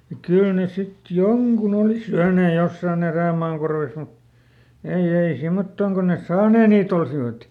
ja kyllä ne sitten jonkun oli syöneet jossakin erämaan korvessa mutta ei ei semmottoon kuin ne saaneet niitä olisivat